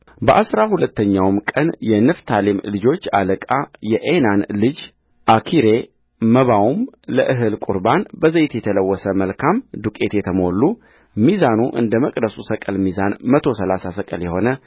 በአሥራ ሁለተኛውም ቀን የንፍታሌም ልጆች አለቃ የዔናን ልጅ አኪሬመባውም ለእህል ቍርባን በዘይት የተለወሰ መልካም ዱቄት የተሞሉ ሚዛኑ እንደ መቅደሱ ሰቅል ሚዛን መቶ ሠላሳ ሰቅል የሆነ